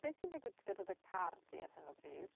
Beth sy'n digwydd gyda dy car 'di ar hyn o bryd?